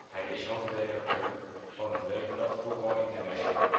Hij is hoofdredacteur van het weekblad Voetbal International